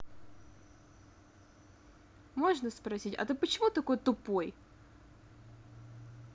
можно спросить а ты почему такой тупой